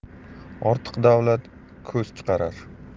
ortiq davlat ko'z chiqarar